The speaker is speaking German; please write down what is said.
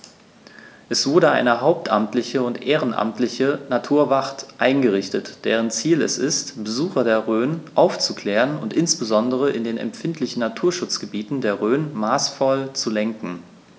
Es wurde eine hauptamtliche und ehrenamtliche Naturwacht eingerichtet, deren Ziel es ist, Besucher der Rhön aufzuklären und insbesondere in den empfindlichen Naturschutzgebieten der Rhön maßvoll zu lenken.